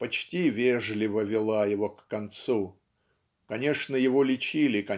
почти вежливо вела его к концу. Конечно, его лечили